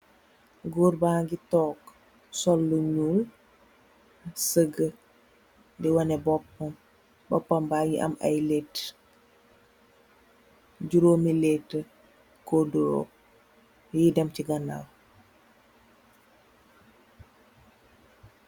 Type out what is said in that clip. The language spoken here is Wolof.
Gór ba'ngi tóóg sol lu ñuul sëgg di waneh bópam, bópam ba ngi ameh ay lett, juromi lett kondrol yu dem ci ganaw.